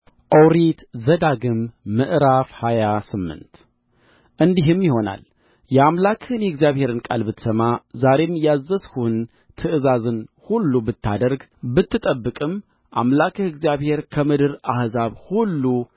ኦሪት ዘዳግም ምዕራፍ ሃያ ስምንት እንዲህም ይሆናል የአምላክህን የእግዚአብሔርን ቃል ብትሰማ ዛሬም ያዘዝሁህን ትእዛዙን ሁሉ ብታደርግ ብትጠብቅም አምላክህ እግዚአብሔር ከምድር አሕዛብ ሁሉ